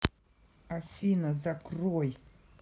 афина закрой